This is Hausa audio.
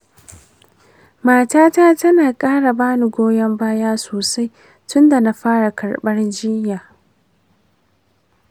matata tana ƙara ba ni goyon baya sossai tun da na fara karɓar jiyya.